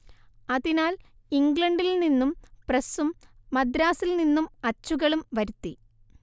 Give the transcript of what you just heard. അതിനാൽ ഇംഗ്ലണ്ടിൽ നിന്നും പ്രസ്സും മദ്രാസിൽ നിന്നും അച്ചുകളും വരുത്തി